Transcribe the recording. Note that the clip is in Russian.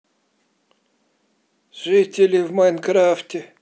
жители в майнкрафте